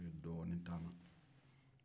u ye dɔɔni aama